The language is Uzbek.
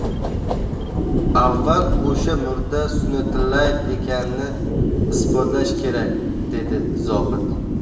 avval o'sha murda sunnatullaev ekanini isbotlash kerak dedi zohid